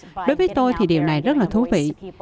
đối với tôi thì điều này rất là thú vị